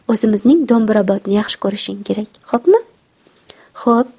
o'zimizning do'mbrobodni yaxshi ko'rgin xo'pmi xo'p